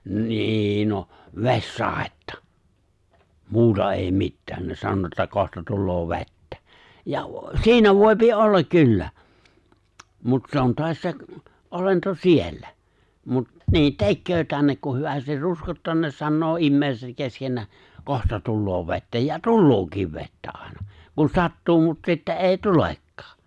niin noh vesisadetta muuta ei mitään ne sanoi että kohta tulee vettä ja siinä voi olla kyllä mutta se on taas se olento siellä mutta niin tekee tänne kun hyvästi ruskottaa ne sanoo ihmiset keskenään kohta tulee vettä ja tuleekin vettä aina kun sattuu mutta sitten ei tulekaan